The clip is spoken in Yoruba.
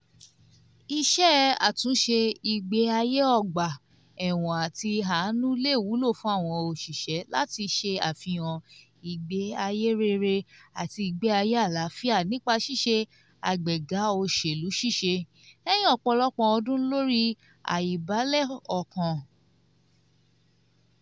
Ìṣe àtúnṣe ìgbé ayé ọgbà ẹ̀wọ̀n àti àánú le wúlò fún àwọn òṣìṣẹ́ láti ṣe àfihàn ìgbé ayé rere, àti ìgbé ayé àlàáfíà nípa ṣíṣe àgbéga òṣèlú ṣíṣe, lẹ́yìn ọ̀pọ̀lọpọ̀ ọdún lórí àìbalẹ̀ọkàn.